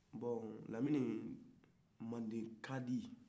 bɔn lamini manden ka di